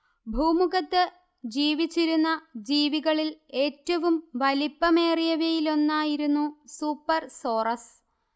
ഭൂമുഖത്ത് ജീവിച്ചിരുന്ന ജീവികളിൽ ഏറ്റവും വലിപ്പമേറിയവയിലൊന്നായിരുന്നു സൂപ്പർസോറസ്